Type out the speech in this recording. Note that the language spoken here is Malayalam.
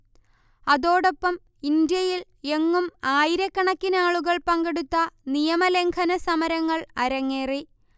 അതോടൊപ്പം ഇന്ത്യയിൽ എങ്ങും ആയിരക്കണക്കിനാളുകൾ പങ്കെടുത്ത നിയമലംഘന സമരങ്ങൾ അരങ്ങേറി